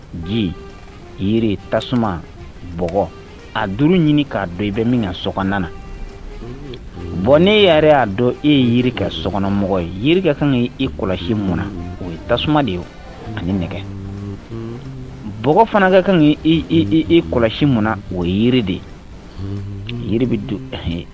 Nci tasumaug a duuru ɲini k'a dɔn i bɛ min na so na bɔn ne yɛrɛ y'a dɔn e ye yiri ka sokɔnɔmɔgɔ ye jiri ka kan e kɔlɔsi mun na o ye tasuma de ye o ani nɛgɛ b fanakɛ kan i d e kɔlɔsi mun o yiri de ye jiri bɛ don